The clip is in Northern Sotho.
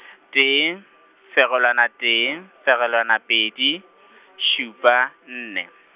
tee , fegelwana tee, fegelwana pedi , šupa, nne.